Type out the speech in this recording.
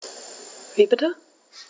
Wie bitte?